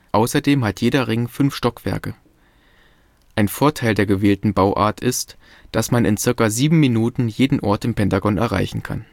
Außerdem hat jeder Ring fünf Stockwerke. Ein Vorteil der gewählten Bauart ist, dass man in ca. sieben Minuten jeden Ort im Pentagon erreichen kann